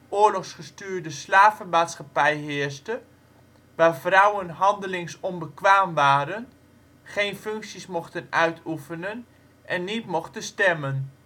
oorlogsgestuurde slavenmaatschappij heerste waar vrouwen handelingsonbekwaam waren, geen functies mochten uitoefenen en niet mochten stemmen